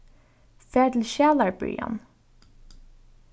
far til skjalarbyrjan